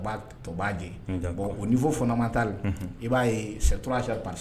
O fɔma i b'a ye sɛtura